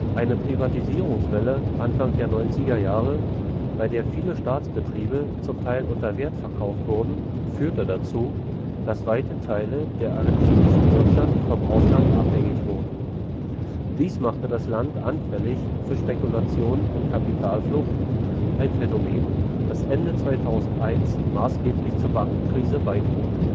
Eine Privatisierungswelle Anfang der 90er Jahre, bei der viele Staatsbetriebe zum Teil unter Wert verkauft wurden, führte dazu, dass weite Teile der argentinischen Wirtschaft vom Ausland abhängig wurden. Dies machte das Land anfällig für Spekulation und Kapitalflucht, ein Phänomen, das Ende 2001 maßgeblich zur Bankenkrise beitrug